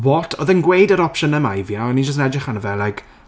What? Oedd e'n gweud yr opsiynnau yma i fi a oeddwn i'n edrych arno fe like...